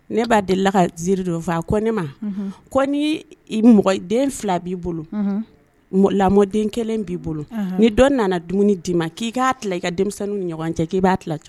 Ne b'a deli la ka ziiri dɔ faa a ko ne ma den fila b'i bolo lamɔden kɛlen b'i bolo ni dɔ nana dumuni d'i ma k'i k'a la i ka denmisɛnnin ni ɲɔgɔn cɛ'i b'a la